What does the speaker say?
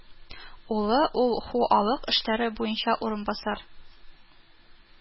Улы ул хуалык эшләре буенча урынбасар